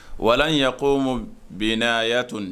Wa ko binna a y'a to nin